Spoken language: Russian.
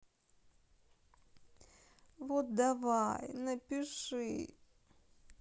вот давай напиши